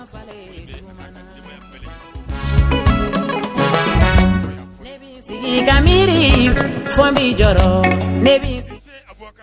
ne bi sigi ka miiri fɔ n bi jɔrɔ ne bi Cissé Aboubaca